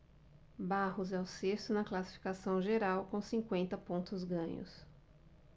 barros é o sexto na classificação geral com cinquenta pontos ganhos